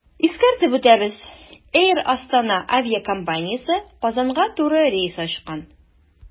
Искәртеп үтәбез, “Эйр Астана” авиакомпаниясе Казанга туры рейс ачкан.